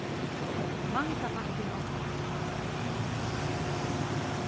manga takk fyri máltíðina